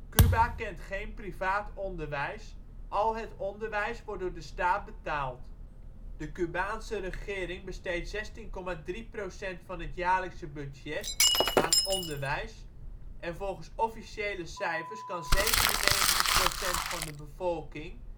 Cuba kent geen privaat onderwijs, al het onderwijs wordt door de staat betaald. De Cubaanse regering besteedt 16,3 % van het jaarlijkse budget aan onderwijs en volgens officiële cijfers kan 97 % van de bevolking